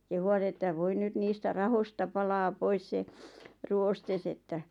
kehuivat että voi nyt niistä rahoista palaa pois se ruoste että